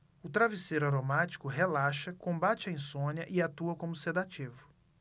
o travesseiro aromático relaxa combate a insônia e atua como sedativo